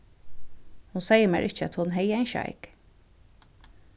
hon segði mær ikki at hon hevði ein sjeik